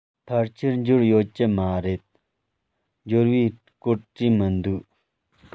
ཕལ ཆེར འབྱོར ཡོད ཀྱི མ རེད འབྱོར བའི སྐོར བྲིས མི འདུག